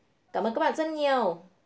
cảm ơn các bạn rất nhiều